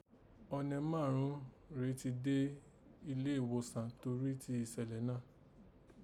Ọnẹ márùn ún rèé ti da èrò ilé ìghòsàn torí ti ìsẹ̀lẹ̀ naa